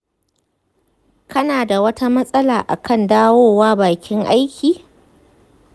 kana da wata matsala akan dawowa bakin aiki?